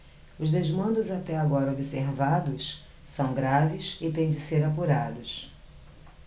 os desmandos até agora observados são graves e têm de ser apurados